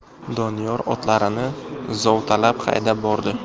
doniyor otlarini zovtalab haydab bordi